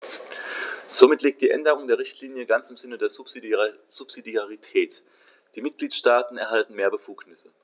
Somit liegt die Änderung der Richtlinie ganz im Sinne der Subsidiarität; die Mitgliedstaaten erhalten mehr Befugnisse.